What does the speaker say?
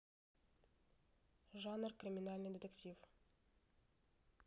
жанр криминальный детектив